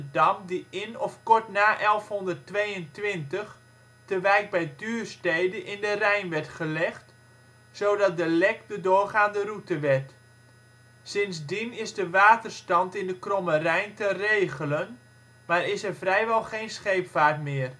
dam die in of kort na 1122 te Wijk bij Duurstede in de Rijn werd gelegd, zodat de Lek de doorgaande route werd. Sindsdien is de waterstand in de Kromme Rijn te regelen, maar is er vrijwel geen scheepvaart meer